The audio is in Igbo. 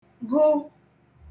gụ